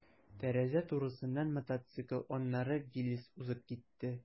Тәрәзә турысыннан мотоцикл, аннары «Виллис» узып китте.